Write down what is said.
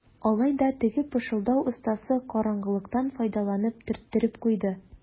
Алай да теге пышылдау остасы караңгылыктан файдаланып төрттереп куйды.